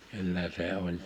kyllä se oli